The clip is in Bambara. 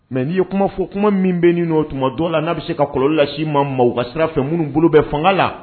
Mɛ n'i ye kuma fɔ kuma min bɛ' nɔo tuma don la n'a bɛ se ka kɔlɔ lasesi ma maaw ka sira fɛ minnu bolo bɛ fanga la